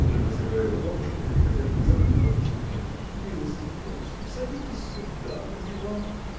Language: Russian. — живо заговорила бабушка, переходя внезапно в радушный тон, — милости просим, садитесь сюда, на диван!